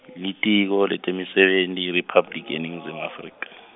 Litiko, leTemisebenti IRiphabliki yeNingizimu Afrika.